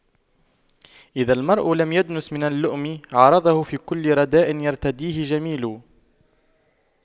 إذا المرء لم يدنس من اللؤم عرضه فكل رداء يرتديه جميل